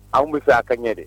Anw bɛ fɛ aw ka ɲɛ de